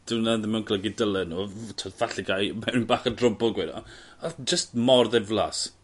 d'w wna ddim yn golygu dyle n'w f- t'od falle gai mewn ryw bach y drwbwl gwe' 'na. Odd jyst mor ddiflas.